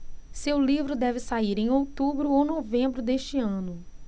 seu livro deve sair em outubro ou novembro deste ano